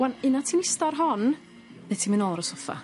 Wan' una ti'n ista ar hon, ne' ti myn' nôl ar y soffa,